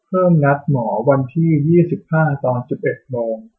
เพิ่มนัดหมอวันที่ยี่สิบห้าตอนสิบเอ็ดโมง